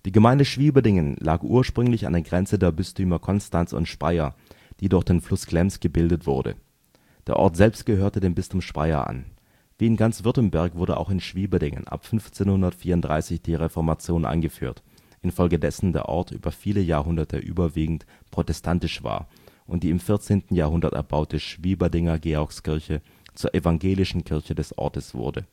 Gemeinde Schwieberdingen lag ursprünglich an der Grenze der Bistümer Konstanz und Speyer, die durch den Fluss Glems gebildet wurde. Der Ort selbst gehörte dem Bistum Speyer an. Wie in ganz Württemberg wurde auch in Schwieberdingen ab 1534 die Reformation eingeführt, infolgedessen der Ort über viele Jahrhunderte überwiegend protestantisch war und die im 14. Jahrhundert erbaute Schwieberdinger Georgskirche zur evangelischen Kirche des Ortes wurde